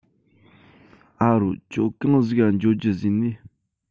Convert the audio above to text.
ཨ རོ ཁྱོད གང ཟིག ག འགྱོ རྒྱུ བཟེས ནས